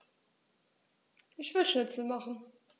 Ich will Schnitzel machen.